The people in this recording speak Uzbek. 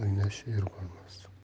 o'ynash er bo'lmas